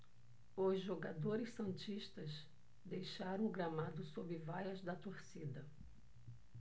os jogadores santistas deixaram o gramado sob vaias da torcida